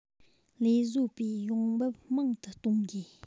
ལས བཟོ པའི ཡོང འབབ མང དུ གཏོང དགོས